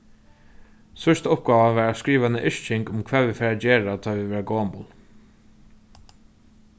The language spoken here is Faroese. síðsta uppgáva var at skriva eina yrking um hvat vit fara at gera tá ið vit verða gomul